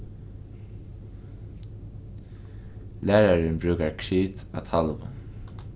lærarin brúkar krit á talvu